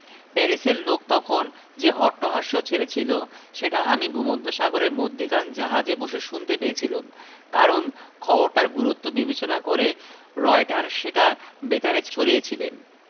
যে সব লেখক জিদে র হয়ে লড়েন নি তাঁদের যে সব বই তাঁরা জিদ কে স্বাক্ষরসহ উপহার দিয়েছিলেন জিদ মাত্র সেগুলোই নিলামে চড়িয়েছেন জিদ শুধু জঞ্জাল বেচে ফেলছেন